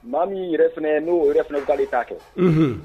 Maa min yɛrɛ fana ye n'o yɛrɛ fana gali t'a kɛ